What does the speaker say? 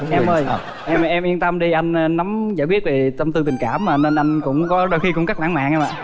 em ơi em em yên tâm đi anh nắm giải quyết về tâm tư tình cảm mà nên anh cũng có đôi khi cũng rất lãng mạn em ạ